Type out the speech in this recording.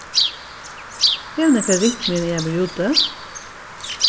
hevur nakar ringt meðan eg havi verið úti